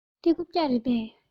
འདི རྐུབ བཀྱག རེད པས